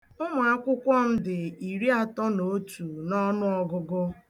Ụmụakwukwọ m dị iri atọ na otu n'ọnụọgụgụ.